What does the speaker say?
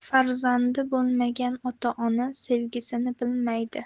farzandi bo'lmagan ota ona sevgisini bilmaydi